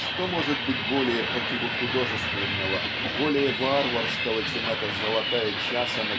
Что может быть более противохудожественного более варварского чем эта золотая чаша